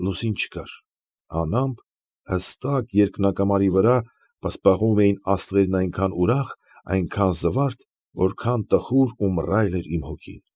Լուսին չկար, անամպ, հստակ երկնակամարի վրա պսպղում էին աստղերն այնքան ուրախ, այնքան զվարթ, որքան տխուր ու մռայլ էր իմ հոգին։